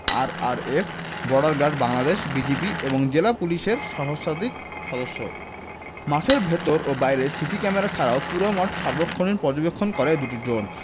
RRF border guard Bangladesh BGB এবং জেলা পুলিশের সহস্রাধিক সদস্য মাঠের ভেতর ও বাইরে সিসি ক্যামেরা ছাড়াও পুরো মাঠ সার্বক্ষণিক পর্যবেক্ষণ করে দুটি ড্রোন